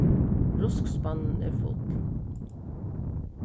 ruskspannin er full